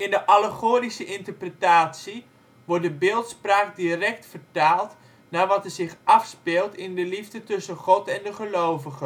de allegorische interpretatie wordt de beeldspraak direct vertaald naar wat er zich afspeelt in de liefde tussen God en de gelovige